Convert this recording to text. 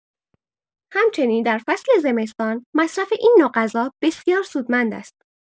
همچنین در فصل زمستان مصرف این نوع غذا بسیار سودمند است.